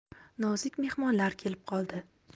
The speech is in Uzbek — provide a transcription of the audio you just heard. nozik mehmonlar kelib qoldi